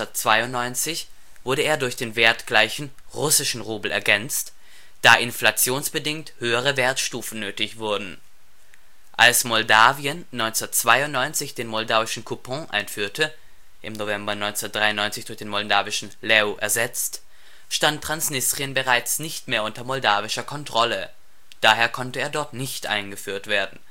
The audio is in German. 1992 wurde er durch den wertgleichen Russischen Rubel ergänzt, da inflationsbedingt höhere Wertstufen nötig wurden. Als Moldawien 1992 den Moldauischen Cupon einführte (im November 1993 durch den Moldauischen Leu ersetzt), stand Transnistrien bereits nicht mehr unter moldawischer Kontrolle, daher konnte er dort nicht eingeführt werden